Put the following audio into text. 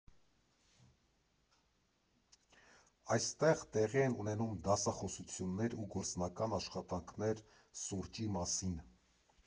Այստեղ տեղի են ունենում դասախոսություններ ու գործնական աշխատանքներ սուրճի մասին։